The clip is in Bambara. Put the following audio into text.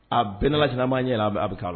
A bɛnkma ɲɛ a bɛ taaa la